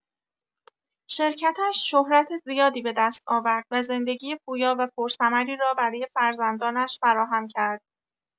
شرکتش شهرت زیادی به دست آورد و زندگی پویا و پرثمری را برای فرزندانش فراهم کرد.